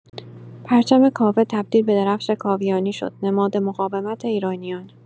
پرچم کاوه تبدیل به درفش کاویانی شد، نماد مقاومت ایرانیان.